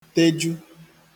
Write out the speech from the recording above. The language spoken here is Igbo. teju